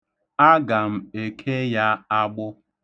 Aga m eke ya agbụ.